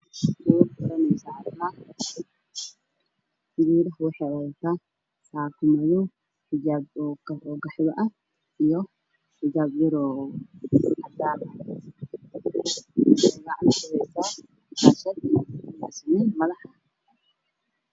Waa gabar waxay wadataa saako madow iyo xijaab qaxwi ah iyo xijaab yar oo cadaan ah. Waxay gacanta kuheysaa buraashad oo ah saliid madax.